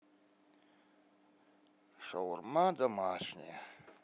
шаурма домашняя